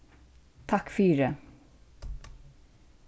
takk fyri